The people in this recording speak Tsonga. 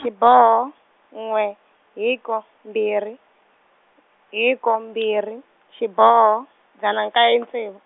xiboho, n'we, hiko mbirhi, hiko mbirhi , xiboho, dzana nkaye ntsevu.